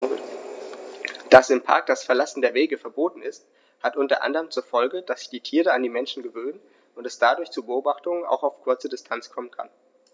Dass im Park das Verlassen der Wege verboten ist, hat unter anderem zur Folge, dass sich die Tiere an die Menschen gewöhnen und es dadurch zu Beobachtungen auch auf kurze Distanz kommen kann.